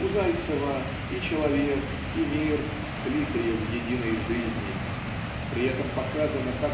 У Зайцева - и человек, и мир, слитые в единой жизни. При этом показано